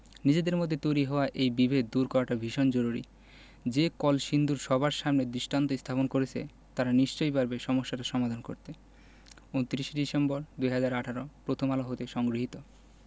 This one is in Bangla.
নিজেদের মধ্যে তৈরি হওয়া এই বিভেদ দূর করাটা ভীষণ জরুরি যে কলসিন্দুর সবার সামনে দৃষ্টান্ত স্থাপন করেছে তারা নিশ্চয়ই পারবে সমস্যাটার সমাধান করতে ২৯ ডিসেম্বর ২০১৮ প্রথম আলো হতে সংগৃহীত